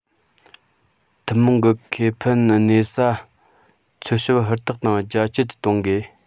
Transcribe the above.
ཐུན མོང གི ཁེ ཕན གནས ས འཚོལ ཞིབ ཧུར ཐག དང རྒྱ སྐྱེད དུ གཏོང དགོས